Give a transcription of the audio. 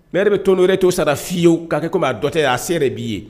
Maire k'a kɛ comme a dɔ tɛ a se de b'i ye